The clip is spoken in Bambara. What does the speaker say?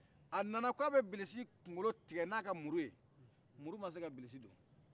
a nana k'a bɛ bilisi kungolo tigɛ n'aka muru ye luru ma se ka bilisi don